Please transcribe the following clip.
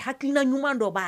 Hakilikilina ɲuman dɔ b'